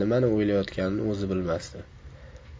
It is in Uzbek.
nimani o'ylayotganini o'zi bilmasdi